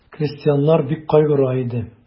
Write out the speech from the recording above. Крестьяннар бик кайгыра иде.